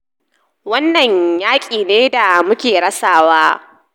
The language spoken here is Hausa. Wannan yaki ne damuke rasawa.